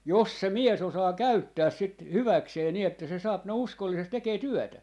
jos se mies osaa käyttää sitä hyväkseen niin että se saa ne uskollisesti tekemään työtä